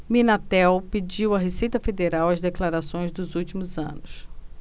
minatel pediu à receita federal as declarações dos últimos anos